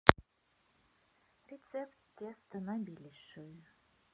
рецепт теста на беляши